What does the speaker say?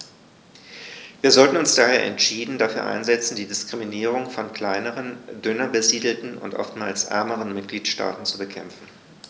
Wir sollten uns daher entschieden dafür einsetzen, die Diskriminierung von kleineren, dünner besiedelten und oftmals ärmeren Mitgliedstaaten zu bekämpfen.